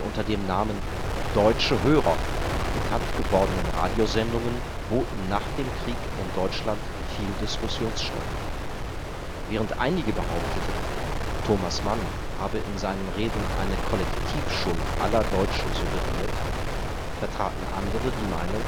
unter dem Namen „ Deutsche Hörer! “bekannt gewordenen Radiosendungen boten nach dem Krieg in Deutschland viel Diskussionsstoff. Während einige behaupteten, Thomas Mann habe in seinen Reden eine Kollektivschuld aller Deutschen suggeriert, vertraten andere die Meinung,